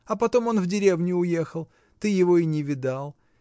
А потом он в деревню уехал; ты его и не видал.